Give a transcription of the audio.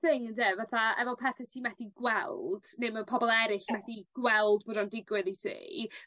thing ynde fatha efo pethe ti methu gweld ne' ma' pobol eryll methu gweld bod o'n digwydd i ti